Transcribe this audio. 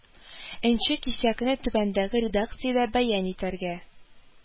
Нче кисәкне түбәндәге редакциядә бәян итәргә: